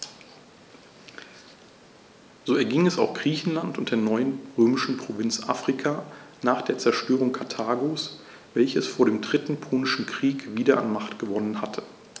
So erging es auch Griechenland und der neuen römischen Provinz Afrika nach der Zerstörung Karthagos, welches vor dem Dritten Punischen Krieg wieder an Macht gewonnen hatte.